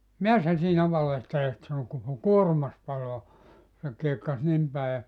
mitä sinä siinä valehtelet sanoi koko kuormasi palaa se kiekkasi niin päin ja